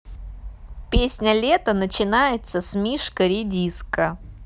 песня лето начинается с мишка редиска